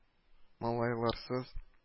Малайларсыз